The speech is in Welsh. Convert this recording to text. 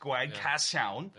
gwaed cas iawn... Ia...